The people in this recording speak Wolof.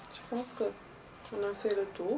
je pense que on a fait le tour